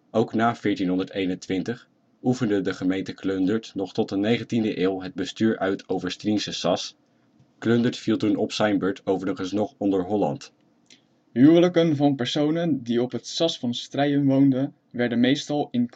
Ook na 1421 oefende de gemeente Klundert nog tot de negentiende eeuw het bestuur uit over Striensche Sas, Klundert viel toen op zijn beurt overigens nog onder Holland. Huwelijken van personen die op het Sas van Strijen woonden, werden meestal in